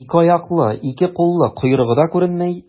Ике аяклы, ике куллы, койрыгы да күренми.